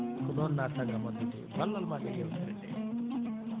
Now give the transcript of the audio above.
ko ɗo naatataa ngam addude ballal maaɗa e yeewtere ndee